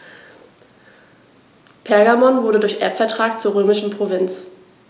Pergamon wurde durch Erbvertrag zur römischen Provinz.